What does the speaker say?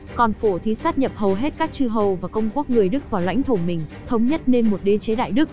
còn phổ thì sáp nhập hầu hết các chư hầu và công quốc người đức vào lãnh thổ mình thống nhất nên đế chế đại đức